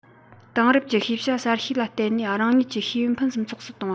དེང རབས ཀྱི ཤེས བྱ གསར ཤོས ལ བརྟེན ནས རང ཉིད ཀྱི ཤེས ཡོན ཕུན སུམ ཚོགས སུ གཏོང བ